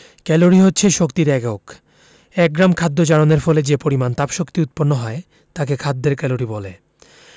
calorie হচ্ছে শক্তির একক এক গ্রাম খাদ্য জারণের ফলে যে পরিমাণ তাপশক্তি উৎপন্ন হয় তাকে খাদ্যের ক্যালরি বলে